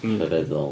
Rhyfeddol.